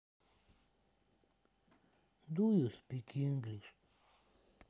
ду ю спик инглишь